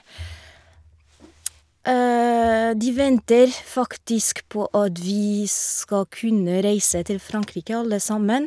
De venter faktisk på at vi skal kunne reise til Frankrike alle sammen.